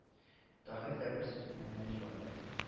Таһир да бер сүз белән генә җавап бирде: